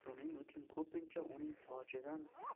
shuning uchun ko'pincha uning sochidan